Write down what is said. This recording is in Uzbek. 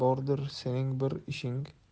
bordir sening bir ishing